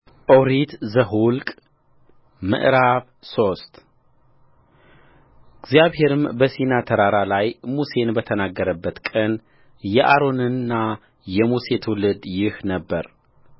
ኦሪት ዘኍልቍ ምዕራፍ ሶስት እግዚአብሔርም በሲና ተራራ ላይ ሙሴን በተናገረበት ቀን የአሮንና የሙሴ ትውልድ ይህ ነበረ